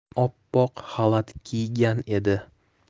oppoq xalat kiygan edi